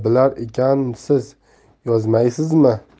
bilar ekansiz yozmaysizmi